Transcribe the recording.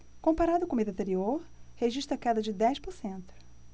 comparado com o mês anterior registra queda de dez por cento